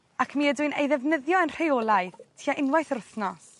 ac mi ydw i'n ei ddefnyddio yn rheolaidd tua unwaith yr wthnos.